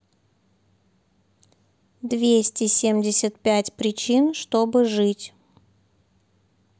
двести семьдесят пять причин чтобы жить